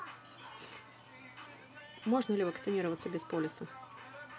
можно ли вакцинироваться без полиса